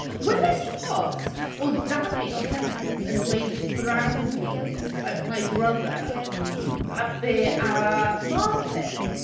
Weles i post o Dami o llynedd yn dweud brawd fi, "my brother"... mhm... a fe a Martin.